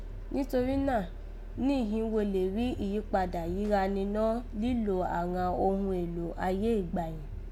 Nítorí náà, níhìn ín, wo lè rí ìyíkpadà yìí gha ninọ́ lílò àghan òghun èlò ayé ìgbà yẹ̀n